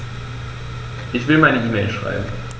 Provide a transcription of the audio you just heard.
Ich will eine E-Mail schreiben.